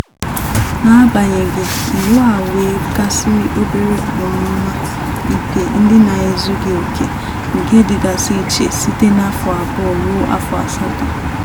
Na-agbanyeghị, iwu a nwe gasịrị obere ọmụma ikpe ndị na-ezughị oke, nke dịgasị iche site n'afọ abụọ ruo afọ asatọ.